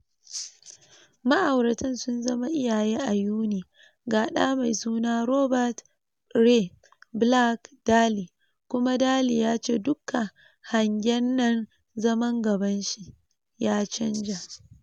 Ma’auratan sun zama iyaye a Yuni, ga ɗa mai suna Robert Ray Black-Daley, kuma Daley ya ce “dukka haganen zaman gaban shi” ya canja.